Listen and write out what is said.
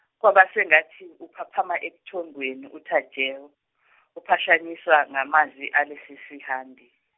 kwaba sengathi uphaphama ebuthongweni uTajewo , uphashanyiswa ngamazwi alesi sihambi.